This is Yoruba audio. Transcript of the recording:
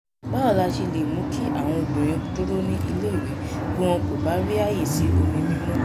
Báwo ni a ṣe lè mú kí àwọn obìnrin dúró ní ilé-ìwé bí wọn kò bá rí àyè sí omi mímọ́?